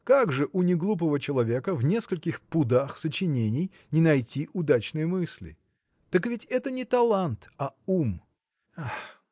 как же у неглупого человека в нескольких пудах сочинений не найти удачной мысли? Так ведь это не талант, а ум. – Ах!